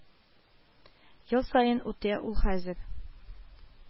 Ел саен үтә ул хәзер